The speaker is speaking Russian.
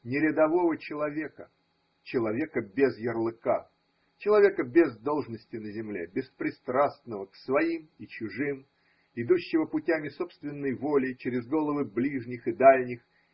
нерядового человека, человека без ярлыка, человека без должности на земле, беспристрастного к своим и чужим, идущего путями собственной воли через головы ближних и дальних.